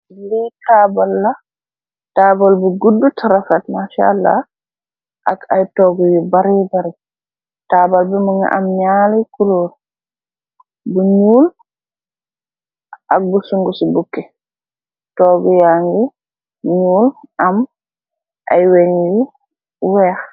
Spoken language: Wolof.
Lii tabala, tabal bu gudu ta refet Maasala, ak ay toogu yu baarii bari, tabal bi mingi ab nyaari kolor, bu nyuul ak bu suungusi buki, toogu ay ngi nyuul ay weenj yu weex